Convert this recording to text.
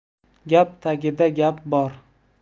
gap tagida gap bor